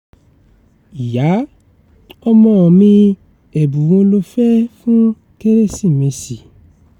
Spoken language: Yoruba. Ìyá: Ọmọ mi, ẹ̀bùn wo lo fẹ́ fún Kérésìmesì?